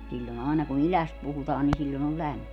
silloin aina kun idästä puhutaan niin silloin on lämmin